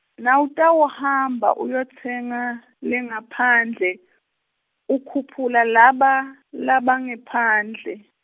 Nawutawuhamba uyowutsenga, lengaphandle, ukhuphula laba, laba ngephandle.